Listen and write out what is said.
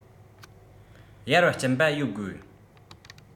གཡར བར སྐྱིན པ ཡོད དགོས